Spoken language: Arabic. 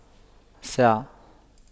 ساعة